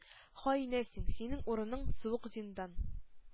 «хаинә син! синең урының — суык зиндан!»